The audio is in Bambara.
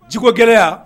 Ji ko gɛlɛ yan